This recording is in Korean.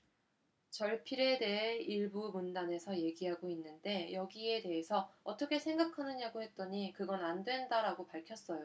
절필에 대한 일부 문단에서 얘기도 있는데 여기에 대해서 어떻게 생각하느냐고 했더니 그건 안 된다라고 밝혔어요